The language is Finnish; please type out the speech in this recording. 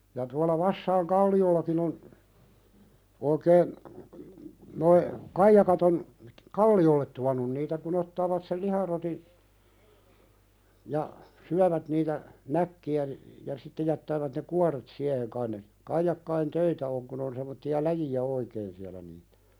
ja tuolla Vassain kallioillakin on oikein nuo kaijakat on kalliolle tuonut niitä kun ottavat sen liharotin ja syövät niitä näkkejä niin ja sitten jättävät ne kuoret siihen kai ne kaijakoiden töitä on kun on semmoisia läjiä oikein siellä niitä